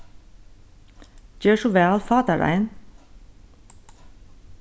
ger so væl fá tær ein